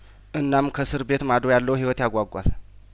እናም ከእስር ቤት ማዶ ያለው ህይወት ያጓጓል